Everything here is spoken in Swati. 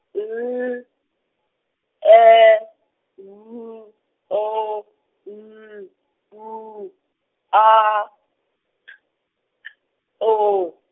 L, E, B, O, N, W, A, K K, O.